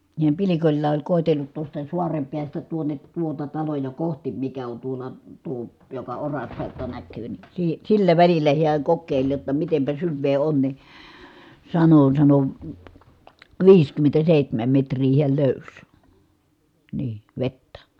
nehän pilkoillaan oli koetellut tuosta saaren päästä tuonne tuota taloja kohti mikä on tuolla tuo joka oraspelto näkyy niin - sillä välillä hän kokeili jotta mitenpä syvää on niin sanoi sanoi viisikymmentäseitsemän metriä hän löysi niin vettä